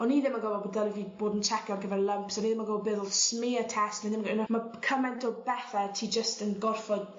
o'n i ddim yn gwbo bo' dyle fi bod yn checo ar gyfer lymps o'n i ddim yn gwbo be' o'ff fel smear test ma' ddim ma' cyment o bethe ti jyst yn gorffod